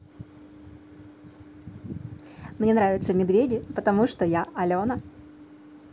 мне нравятся медведи потому что я алена